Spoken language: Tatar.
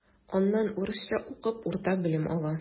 Аннан урысча укып урта белем ала.